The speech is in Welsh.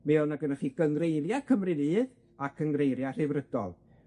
Mi oedd 'na gynnoch chi gyngreiria Cymru Fydd a cyngreiria Rhyddfrydol.